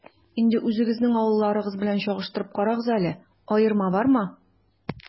Инде үзегезнең авылларыгыз белән чагыштырып карагыз әле, аерма бармы?